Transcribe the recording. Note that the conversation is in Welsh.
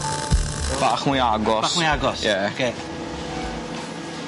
Bach mwy agos. Bach mwy agos? Ie. Ocê.